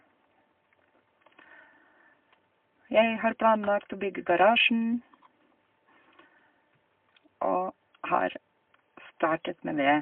Jeg har planlagt å bygge garasjen, og har startet med det.